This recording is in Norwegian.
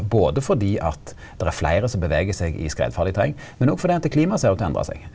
både fordi at der er fleire som beveger seg i skredfarleg terreng, men òg fordi at klimaet ser ut til å endra seg.